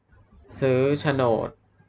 ซื้อโฉนด